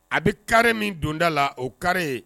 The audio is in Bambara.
A bɛ kari min donda la o kari ye